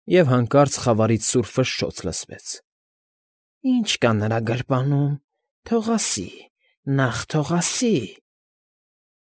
Եվ հանկարծ խավարից սուր ֆշշոց լսվեց.֊ Ի՞նչ կա նրա գրպանում, թող աս֊ս֊սի, ն֊ն֊նախ թող աս֊ս֊սի։